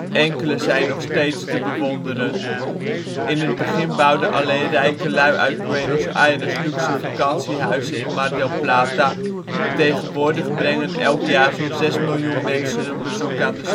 Enkele zijn nog steeds te bewonderen. In het begin bouwden alleen rijkelui uit Buenos Aires luxe vakantiehuizen in Mar del Plata; tegenwoordig brengen elk jaar zo 'n 6 miljoen mensen een bezoek aan de stad